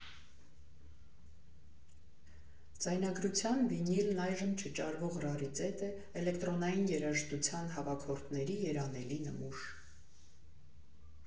Ձայնագրության վինիլն այժմ չճարվող ռարիտետ է, էլեկտրոնային երաժշտության հավաքորդների երանելի նմուշ։